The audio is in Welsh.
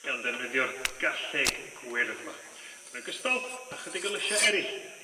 gan ddefnyddio'r garlleg gwyrdd 'ma. Yn ogystal â chydig o lysie eryll